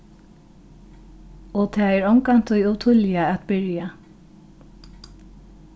og tað er ongantíð ov tíðliga at byrja